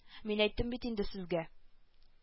Мин әйттем бит инде сезгә